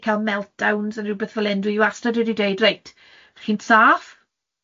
'di cael meltdowns a rhywbeth fel hyn, dwi wastad wedi dweud reit, chi'n saff.